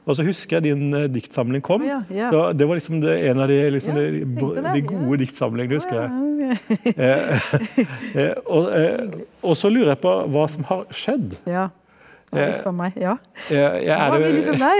og så husker jeg din diktsamling kom, da det var liksom det en av de liksom de de gode diktsamlingene husker jeg, og også lurer jeg på hva som har skjedd ja ja er du ?